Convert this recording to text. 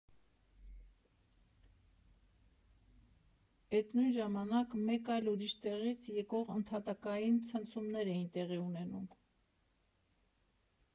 Էդ նույն ժամանակ մեկ այլ, ուրիշ տեղից եկող ընդհատակային ցնցումներ էին տեղի ունենում.